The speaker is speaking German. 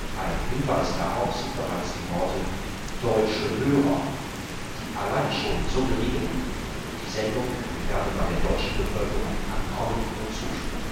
Ein Hinweis darauf sind bereits die Worte „ Deutsche Hörer! “, die allein schon suggerieren, die Sendung werde bei der deutschen Bevölkerung ankommen und Zuspruch